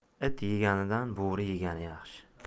it yeganidan bo'ri yegani yaxshi